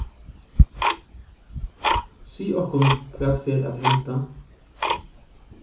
sig okkum hvat fer at henda